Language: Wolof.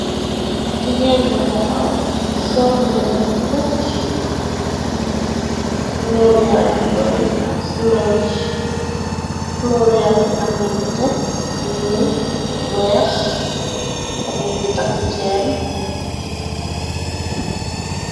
jigeen bu taxaw solyere bu jot kloryangi bari ak flor flor yangi am yi nete nuul weex ta mu ngi takk cenn.